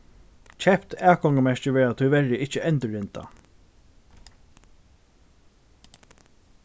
keypt atgongumerki verða tíverri ikki endurrindað